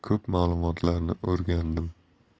ko'p ma'lumotlarni o'rgandim